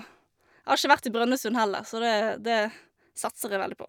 Har ikke vært i Brønnøysund heller, så det det satser jeg veldig på.